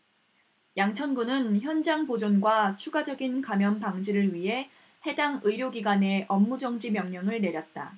양천구는 현장 보존과 추가적인 감염 방지를 위해 해당 의료기관에 업무정지 명령을 내렸다